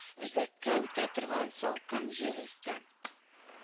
Үзәккә үтә торган салкын җил исте